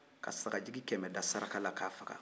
ka sagajigi kɛmɛ da saraka la k'a faga